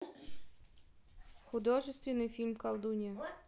художественный фильм колдунья